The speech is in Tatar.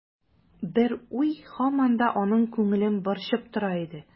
Бер уй һаман да аның күңелен борчып тора иде.